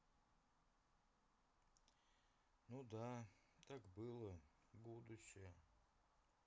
ну да так было будущее